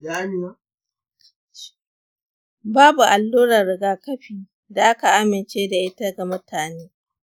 babu allurar rigakafi da aka amince da ita ga mutane.